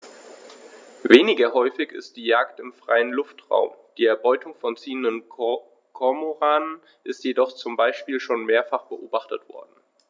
Weniger häufig ist die Jagd im freien Luftraum; die Erbeutung von ziehenden Kormoranen ist jedoch zum Beispiel schon mehrfach beobachtet worden.